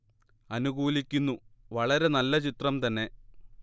അനുകൂലിക്കുന്നു വളരെ നല്ല ചിത്രം തന്നെ